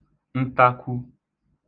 ntakwu